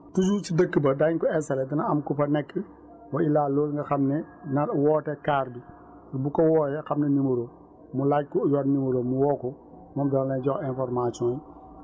toujours si dëkk ba daañu ko installé dina am ku fa nekk wa illah loolu nga xam ne nar woote car bi bu ko woowee xam nañ numéro wam mu laaj ko ku yor numéro am mu woo ko moom dana lay jox information